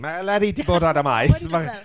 Mae Eleri 'di bod ar y maes.... Wedi bod 'ma!